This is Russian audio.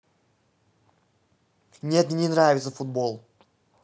нет мне не нравится футбол